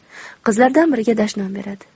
qizlardan biriga dashnom beradi